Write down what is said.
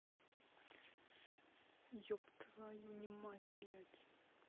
еб твою не мать блядь